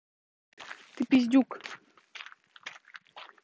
ты пиздюк